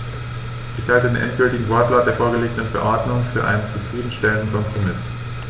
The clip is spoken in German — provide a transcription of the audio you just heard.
Ich halte den endgültigen Wortlaut der vorgelegten Verordnung für einen zufrieden stellenden Kompromiss.